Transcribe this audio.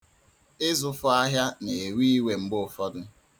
Ịzụfọ ahịa na-ewe iwe mgbe ụfọdụ.